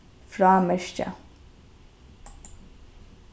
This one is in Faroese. frámerkja